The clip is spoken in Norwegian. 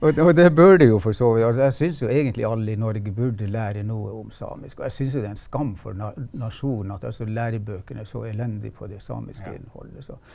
og og det bør det jo for så vidt altså jeg synes jo egentlig alle i Norge burde lære noe om samisk og jeg synes jo det er en skam for nasjonen at altså lærebøkene er så elendige på det samiske innholdet så.